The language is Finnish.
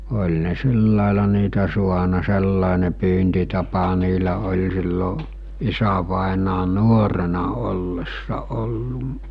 oli ne sillä lailla niitä saanut sellainen pyyntitapa niillä oli silloin isävainajan nuorena ollessa ollut